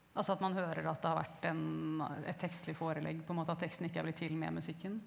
altså at man hører at det har vært en et tekstlig forelegg på en måte at teksten ikke er blitt til med musikken?